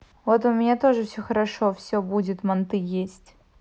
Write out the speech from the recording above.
вот у меня тоже все хорошо все будет манты есть